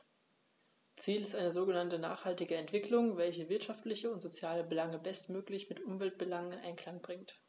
Ziel ist eine sogenannte nachhaltige Entwicklung, welche wirtschaftliche und soziale Belange bestmöglich mit Umweltbelangen in Einklang bringt.